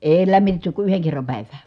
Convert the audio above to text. ei lämmitetty kuin yhden kerran päivään